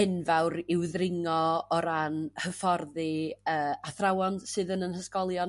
enfawr i'w ddringo o ran hyfforddi yy athrawon sydd yn yn hysgolion